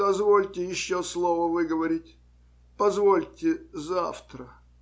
дозвольте еще слово выговорить. Позвольте завтра.